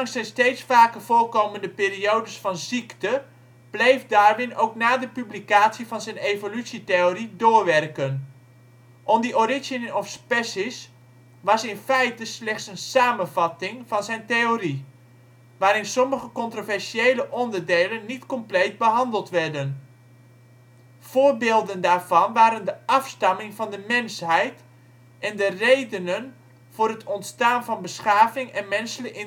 zijn steeds vaker voorkomende periodes van ziekte, bleef Darwin ook na de publicatie van zijn evolutietheorie doorwerken. On the Origin of Species was in feite slechts een samenvatting van zijn theorie, waarin sommige controversiële onderdelen niet compleet behandeld werden. Voorbeelden daarvan waren de afstamming van de mensheid en de redenen voor het ontstaan van beschaving en menselijke